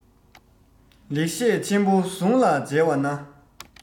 ལེགས བཤད ཆེན པོ ཟུང ལ མཇལ བ ན